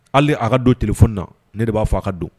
Hali a ka don ton na ne de b'a fɔ a ka don